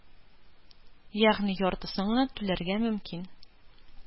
Ягъни яртысын гына түләргә мөмкин.